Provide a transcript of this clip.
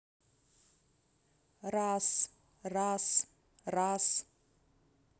раз раз раз